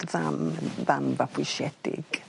dy fam yy fam fabwysiedig?